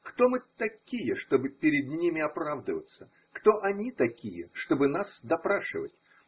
Кто мы такие, чтобы пред ними оправдываться, кто они такие, чтобы нас допрашивать?